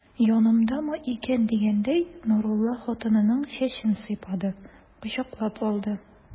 Янымдамы икән дигәндәй, Нурулла хатынының чәчен сыйпады, кочаклап алды.